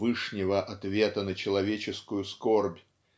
вышнего ответа на человеческую скорбь